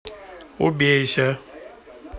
убейся